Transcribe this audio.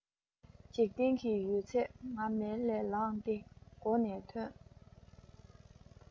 འཇིག རྟེན གྱི ཡོད ཚད ང མལ ལས ལངས ཏེ སྒོ ནས ཐོན